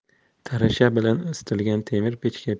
tarasha bilan isitilgan temir pechka